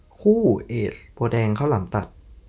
คู่เอซโพธิ์แดงข้าวหลามตัด